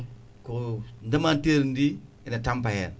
ko ndemanteri ndi ene tampa hen